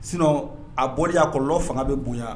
A bɔli , a kɔlɔlɔ fanga bɛ bonya